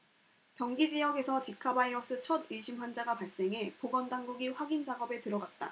경기지역에서 지카바이러스 첫 의심환자가 발생해 보건당국이 확인 작업에 들어갔다